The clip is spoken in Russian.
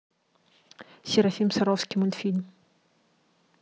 серафим саровский мультфильм